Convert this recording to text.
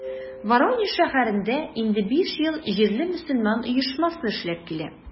Воронеж шәһәрендә инде биш ел җирле мөселман оешмасы эшләп килә.